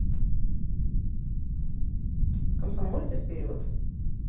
комсомольцы вперед